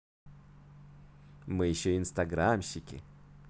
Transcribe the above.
мы еще инстаграмщики